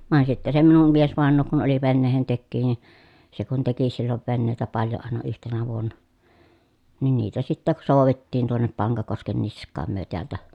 vain sitten se minun miesvainaja kun oli veneentekijä niin se kun teki silloin veneitä paljon aina yhtenä vuonna niin niitä sitten soudettiin tuonne Pankakosken niskaan me täältä